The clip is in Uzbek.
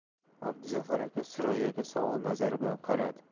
abduzafar aka surayyoga savol nazari bilan qaradi